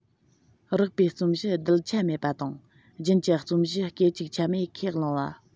རགས པའི རྩོམ གཞི རྡུལ ཆ མེད པ དང རྒྱུན གྱི རྩོམ གཞི སྐད ཅིག ཆ མེད ཁས བླངས པ